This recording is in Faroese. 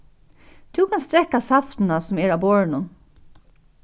tú kanst drekka saftina sum er á borðinum